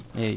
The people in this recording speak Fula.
eyyi